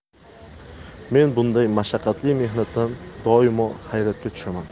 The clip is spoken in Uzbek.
men bunday mashaqqatli mehnatdan doimo hayratga tushaman